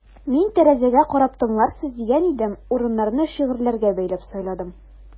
Мин тәрәзәгә карап тыңларсыз дигән идем: урыннарны шигырьләргә бәйләп сайладым.